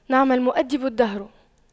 نعم المؤَدِّبُ الدهر